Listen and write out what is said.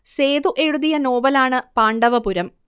സേതു എഴുതിയ നോവലാണ് പാണ്ഡവപുരം